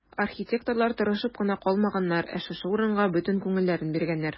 Архитекторлар тырышып кына калмаганнар, ә шушы урынга бөтен күңелләрен биргәннәр.